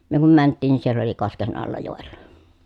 me kun mentiin niin siellä oli kosken alla joella